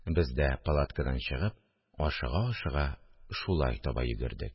Без дә, палаткадан чыгып, ашыга-ашыга, шулай таба йөгердек